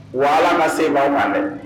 Wa Ala ka se baw ma dɛ.